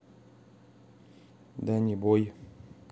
дани бой